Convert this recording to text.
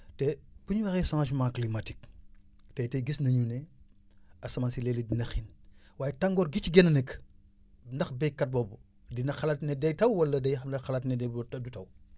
te bu ñu waxee cahngement climatique tey te gis nañu ne asaman si léeg-léeg dina xiin waaye tàngoor gi ci génn nag ndax baykat boobu dina xalaat ne day taw wala dina xalaat ne day du taw